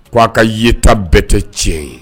K ko' aa ka yeta bɛɛ tɛ tiɲɛ ye